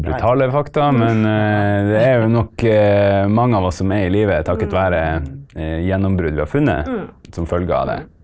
brutale fakta, men det er jo nok mange av oss som er i live takket være gjennombrudd vi har funnet som følge av det.